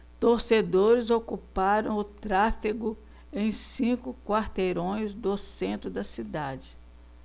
torcedores ocuparam o tráfego em cinco quarteirões do centro da cidade